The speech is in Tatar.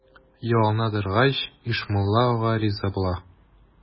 Ялына торгач, Ишмулла ага риза була.